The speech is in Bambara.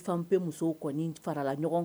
N fan bɛ muso fara la